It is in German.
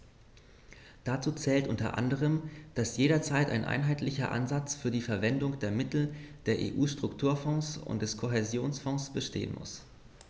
Dazu zählt u. a., dass jederzeit ein einheitlicher Ansatz für die Verwendung der Mittel der EU-Strukturfonds und des Kohäsionsfonds bestehen muss.